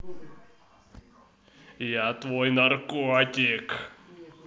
я твой наркотик